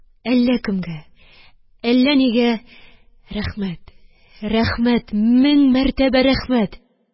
Әллә кемгә, әллә нигә «Рәхмәт, рәхмәт, мең мәртәбә рәхмәт